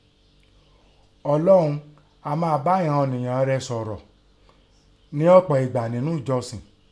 Ọlọ́un a máa bá ìnan ọ̀nìyàn Rẹ̀ sọ̀rọ̀ nẹ́ ọ̀pọ̀ ẹ̀gbà ńnú ẹ̀jọsìn.